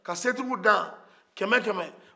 ka setigi dan kɛmɛkɛmɛ